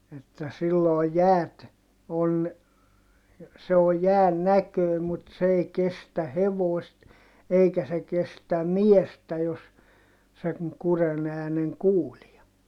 että silloin jäät on se on jään näköinen mutta se ei kestä hevosta eikä se kestä miestä jos sen kurjen äänen kuulee